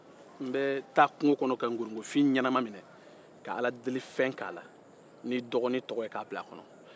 n bɛ taa kungo kɔnɔ ka nkorongofin ɲɛnama mine ka aladelifɛn ke a la n'i dɔgɔnin tɔgɔ ye k'a bila daga kɔnɔ